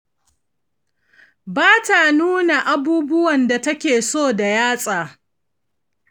ba ta nuna abubuwan da take so da yatsa.